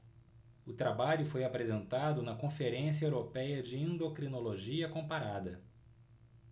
o trabalho foi apresentado na conferência européia de endocrinologia comparada